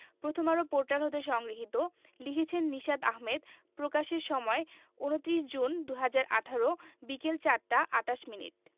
Prothom Alo portal হতে সংগৃহীত লিখেছেন নিশাত আহমেদ প্রকাশের সময় ২৯ জুন ২০১৮ বিকেল ৪টা ২৮ মিনিট